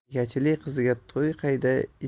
egachili qizga to'y qayda